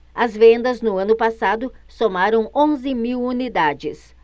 as vendas no ano passado somaram onze mil unidades